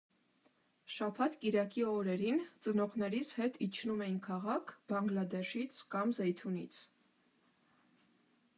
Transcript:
Շաբաթ֊կիրակի օրերին ծնողներիս հետ իջնում էինք քաղաք Բանգլադեշից կամ Զեյթունից։